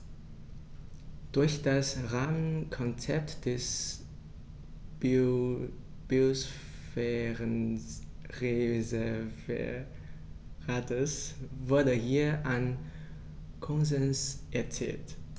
Durch das Rahmenkonzept des Biosphärenreservates wurde hier ein Konsens erzielt.